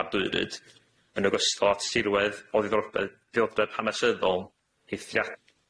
a'r Dwyryd yn ogystal at tirwedd o ddiddordeb hanesyddol eithriadol